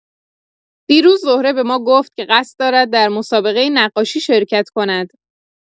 دیروز زهره به ما گفت که قصد دارد در مسابقه نقاشی شرکت کند